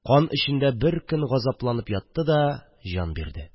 Кан эчендә бер көн газапланып ятты да, җан бирде